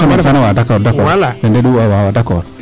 Semaine faana wa d' accord ten reɗ'u waa d'a accord.